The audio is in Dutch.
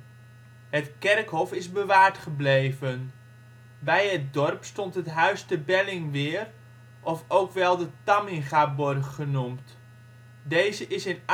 kerkhof is bewaard gebleven. Bij het dorp stond het Huis te Bellingweer of ook wel de Tammingaborg genoemd. Deze is in